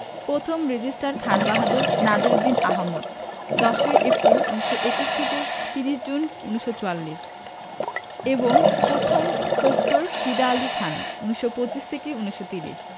প্রথম registrar Khanbahadur Nazir Uddin Ahmad ১০ April ১৯২১ থেকে ৩০ June ১৯৪৪ এবং প্রথম প্রক্টর ফিদা আলী খান ১৯২৫ ১৯৩০